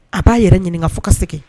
A b'a yɛrɛ ɲininka fo ka segin